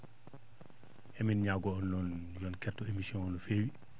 emin ñaagoo on noon yo on ketto émission no feewi